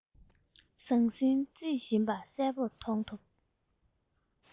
ཟང ཟིང རྩེན བཞིན པ གསལ པོ མཐོང ཐུབ